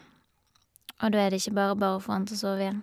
Og da er det ikke bare bare å få han til å sove igjen.